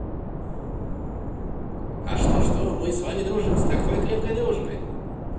а что что мы с вами дружим с такой крепкой дружбой